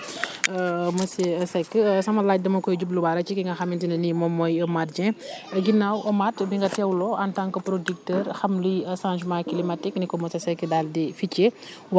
monsieur Seck sama laaj dama koy jubluwaale ci ki nga xamante ne nii moom mooy Mate Dieng ginnaaw Mate bi nga teewloo en tant que producteur xam luy changement climatique ni ko monsieur Seck daal di feccee